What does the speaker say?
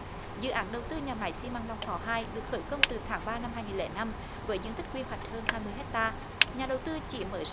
dự án đầu tư nhà máy xi măng long thọ hai được khởi công từ tháng ba năm hai nghìn lẻ năm với diện tích quy hoạch hơn hai mươi héc ta nhà đầu tư chỉ mới